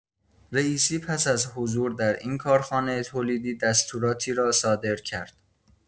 رئیسی پس از حضور در این کارخانه تولیدی دستوراتی را صادر کرد.